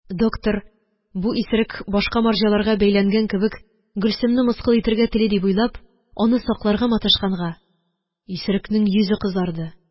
Доктор, бу исерек башка марҗаларга бәйләнгән кебек Гөлсемне мыскыл итәргә тели дип уйлап, аны сакларга маташканга, исерекнең йөзе кызарды.